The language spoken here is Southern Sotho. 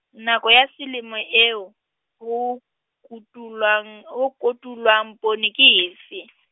nako ya selemo eo, ho kotulwang, ho kotulwang poone ke efe?